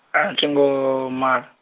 a tho ngo, mala.